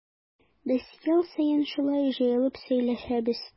Без ел саен шулай җыелып сөйләшәбез.